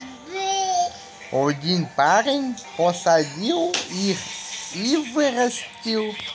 один парень посадил их и вырастил